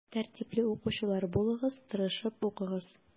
Тәртипле укучылар булыгыз, тырышып укыгыз.